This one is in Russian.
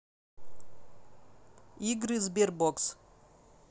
игры sberbox